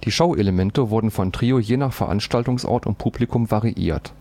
Showelemente wurden von Trio je nach Veranstaltungsort und Publikum variiert